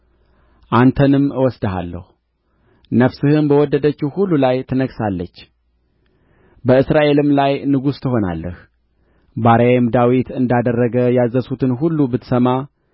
አንተንም እወስድሃለሁ ነፍስህም በወደደችው ሁሉ ላይ ትነግሣለች በእስራኤልም ላይ ንጉሥ ትሆናለህ ባሪያዬም ዳዊት እንዳደረገ ያዘዝሁህን ሁሉ ብትሰማ